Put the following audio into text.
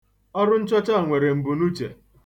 Ọrụ nchọcha a nwere mbunuche.